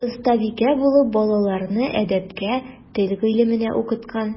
Остабикә булып балаларны әдәпкә, тел гыйлеменә укыткан.